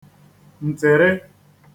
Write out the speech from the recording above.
ǹtị̀rị